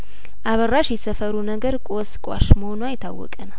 አበራሽ የሰፈሩ ነገር ቆስቋሽ መሆኗ የታወቀ ነው